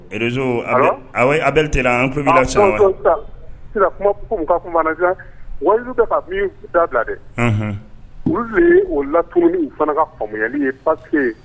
Rezo sisan kuma ka wa bila dɛ olu o lat fana ka faamuyayaani ye pa ye